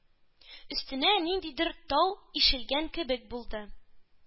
Өстенә ниндидер тау ишелгән кебек булды